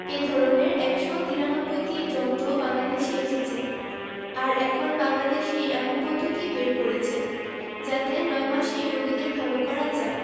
এ ধরনের ১৯৩টি যন্ত্র বাংলাদেশে এসেছে আর এখন বাংলাদেশই এমন পদ্ধতি বের করেছে যাতে ৯ মাসেই রোগীদের ভালো করা যায়